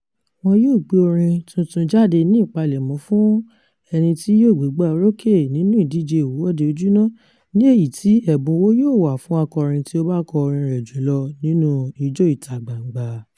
Wọn yóò gbé orin tuntun jáde ní ìpalẹ̀mọ́ fún ẹni tí yóò gbégbáorókè nínú ìdíje Ìwọ́de Ojúná, ní èyí tí ẹ̀bùn owó yóò wà fún akọrin tí a bá kọ orin rẹ̀ jù lọ nínú Ijó ìta-gbangba.